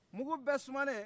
mungu bɛɛ sumanen